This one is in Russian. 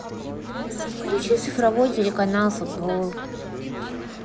включи цифровой телеканал футбол